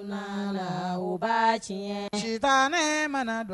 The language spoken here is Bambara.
Filala u ba tiɲɛtan mana don